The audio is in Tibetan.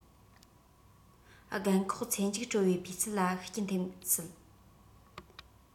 རྒན འཁོགས ཚེ མཇུག འཚོ བའི སྤུས ཚད ལ ཤུགས རྐྱེན ཐེབས སྲིད